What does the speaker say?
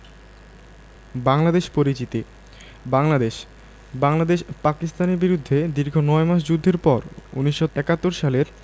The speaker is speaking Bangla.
বাংলাদেশ পরিচিতি বাংলাদেশ বাংলাদেশ পাকিস্তানের বিরুদ্ধে দীর্ঘ নয় মাস যুদ্ধের পর ১৯৭১ সালের